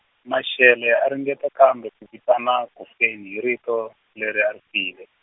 Mashele a ringeta kambe ku vitana kufeni hi rito leri a ri file.